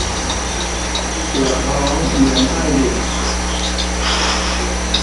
ปวดท้องเหมือนไส้บิด